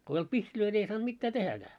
kun ei ollut pihtejä niin ei saanut mitään tehdäkään